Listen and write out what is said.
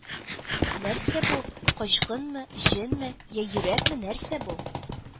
Нәрсә бу? Качкынмы, җенме? Йә өрәкме, нәрсә бу?